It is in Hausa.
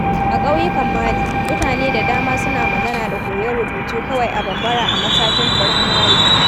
A ƙauyukan Mali, mutane da dama suna magana da koyon rubutu kawai a Bambara a matakin firamare.